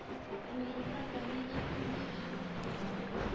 «американ» комедиясенең сюжеты катлаулы түгел.